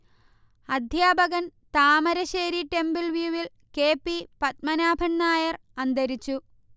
അധ്യാപകൻ താമരശ്ശേരി ടെമ്പിൾവ്യൂവിൽ K. P. Padmanabhan Nair അന്തരിച്ചു